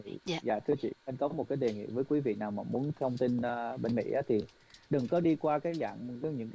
những giá trị anh có một cái đề nghị với quý vị nào muốn thông tin mạnh mẽ thì đừng có đi qua các dạng một trong những